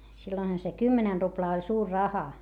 silloinhan se kymmenen ruplaa oli suuri raha